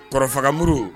Kɔrɔfagamuru